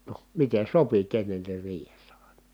no miten sopi kenenkin riihessä aina